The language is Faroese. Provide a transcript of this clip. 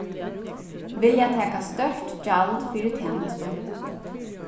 vilja taka stórt gjald fyri tænastu